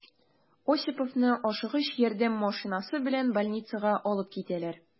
Осиповны «Ашыгыч ярдәм» машинасы белән больницага алып китәләр.